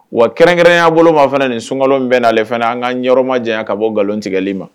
Wa kɛrɛnkɛrɛn y'a bolo ma fana nin sunkalo bɛn na ale fana an ka ɲɛma jan ka bɔ nkalontigɛli ma